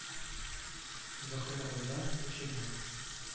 Заһир абыйдан бу чирнең